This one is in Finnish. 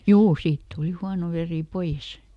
juu siitä tuli huono veri pois